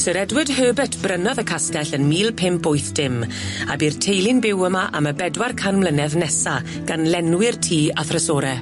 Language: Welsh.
Sir Edward Herbert brynodd y castell yn mil pump wyth dim a bu'r teulu'n byw yma am y bedwar can mlynedd nesa gan lenwi'r tŷ a thrysore.